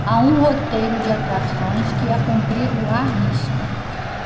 há um roteiro de atrações que é cumprido à risca